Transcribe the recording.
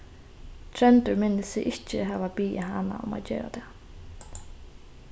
tróndur minnist seg ikki hava biðið hana um at gera tað